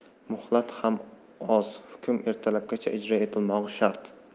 muhlat ham oz hukm ertalabgacha ijro etilmog'i shart